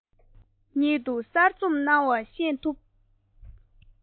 ཉིད དུ གསར རྩོམ གནང བ ཤེས ཐུབ